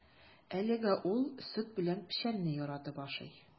Әлегә ул сөт белән печәнне яратып ашый.